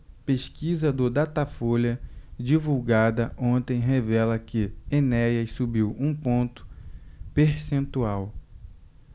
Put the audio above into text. pesquisa do datafolha divulgada ontem revela que enéas subiu um ponto percentual